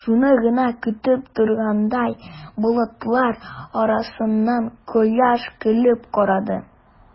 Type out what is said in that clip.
Шуны гына көтеп торгандай, болытлар арасыннан кояш көлеп карады.